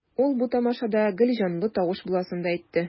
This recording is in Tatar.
Ул бу тамашада гел җанлы тавыш буласын да әйтте.